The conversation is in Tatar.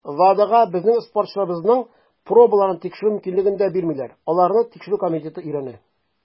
WADAга безнең спортчыларыбызның пробаларын тикшерү мөмкинлеген дә бирмиләр - аларны Тикшерү комитеты өйрәнә.